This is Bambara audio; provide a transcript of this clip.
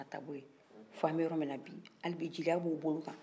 o ye jeliya taa bolo ye f'an bɛ yɔrɔ min na bi ali bi jeliya b'olo kan